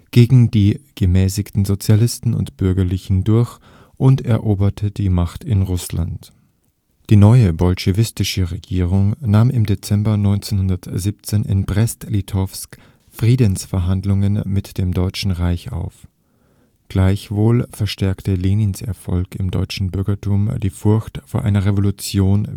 gegen die gemäßigten Sozialisten und Bürgerlichen durch und eroberte die Macht in Russland. Die neue bolschewistische Regierung nahm im Dezember 1917 in Brest-Litowsk Friedensverhandlungen mit dem Deutschen Reich auf. Gleichwohl verstärkte Lenins Erfolg im deutschen Bürgertum die Furcht vor einer Revolution